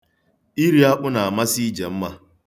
Iri akpụ na-amasị Ijemma.